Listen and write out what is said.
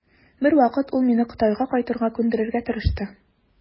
Бер вакыт ул мине Кытайга кайтырга күндерергә тырышты.